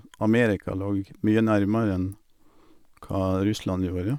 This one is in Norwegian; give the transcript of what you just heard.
Amerika lå mye nærmere enn hva Russland gjorde.